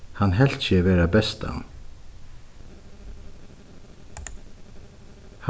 hann helt seg vera bestan